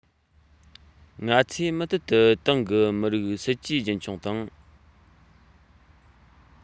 ང ཚོས མུ མཐུད དུ ཏང གི མི རིགས སྲིད ཇུས རྒྱུན འཁྱོངས དང